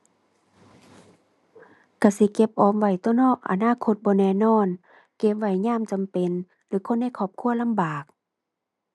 ก็สิเก็บออมไว้ตั่วเนาะ อนาคตบ่แน่นอน เก็บไว้ยามจำเป็นหรือคนในครอบครัวลำบาก